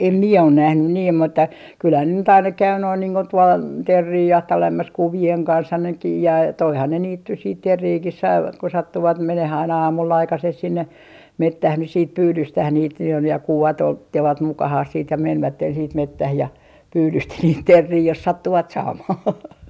- en minä ole nähnyt niin mutta kyllähän ne nyt aina käy noin niin kuin tuolla teeriä jahtailemassa kuvien kanssa nekin - toihan ne niitä nyt sitten teeriäkin saivat kun sattuivat menemään aina aamulla aikaiseen sinne metsään nyt sitten pyydystämään niitä jo ja kuvat - ottivat mukaansa sitten ja menivät sitten metsään ja pyydysti niitä teeriä jos sattuivat saamaan